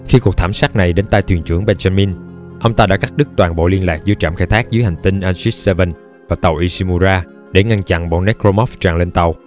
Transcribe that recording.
khi cuộc thảm sát này đến tai thuyền trưởng benjamin ông ta đã cắt đứt toàn bộ liên lạc giữa trạm khai thác dưới hành tinh aegis vii và usg ishimura để ngăn bọn necromorphs tràn lên tàu